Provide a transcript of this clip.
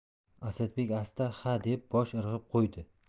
asadbek asta ha deb bosh irg'ab qo'ydi